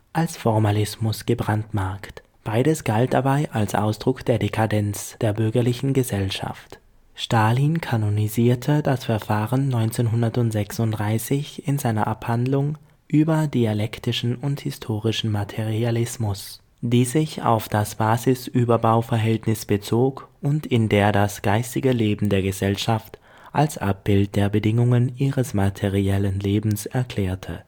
als Formalismus gebrandmarkt, beides galt dabei als Ausdruck der Dekadenz der bürgerlichen Gesellschaft. Stalin kanonisierte das Verfahren 1936 in seiner Abhandlung Über dialektischen und historischen Materialismus, die sich auf das Basis-Überbau-Verhältnis bezog und in der er das „ geistige Leben der Gesellschaft “als „ Abbild der Bedingungen ihres materiellen Lebens “erklärte